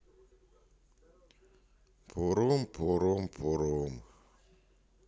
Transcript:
пурум пурум пурум